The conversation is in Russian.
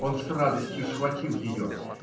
Он с радостью схватил ее.